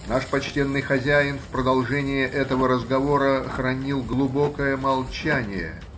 Наш почтенный хозяин в продолжение этого разговора хранил глубокое молчание